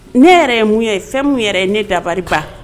Ne yɛrɛ ye mun ye, fɛn mun yɛrɛ ye ne dabali ban